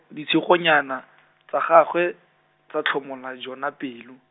ditshegonyana, tsa gagwe, tsa tlhomola Jona pelo.